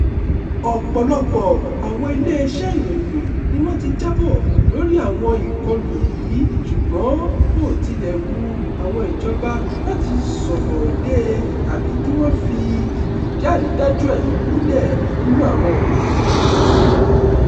Ọ̀pọ̀lọpọ̀ àwọn iléeṣẹ́ ìròyìn ni wọ́n ti jábọ̀ lórí àwọn ìkọlù yìí ṣùgbọ́n kò tilẹ̀ wu àwọn ìjọba láti sọ̀rọ̀ lé e tàbí kí wọ́n fi ìdí àrídájú ẹ̀rí múlẹ̀ nínú àwọn ọ̀rọ̀ yìí.